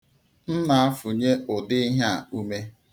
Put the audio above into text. M na-afụnye ụdị ihe a ume.